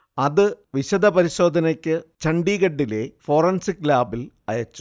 അത് വിശദപരിശോധനയ്ക്ക് ചണ്ഡീഗഢിലെ ഫൊറൻസിക് ലാബിൽ അയച്ചു